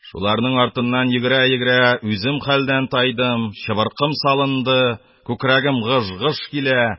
Шуларның артыннан йөгерә-йөгерә, үзем хәлдән тайдым, чыбыркым салынды, күкрәгем гыж-гыж килә.